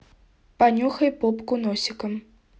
понюхай попку носиком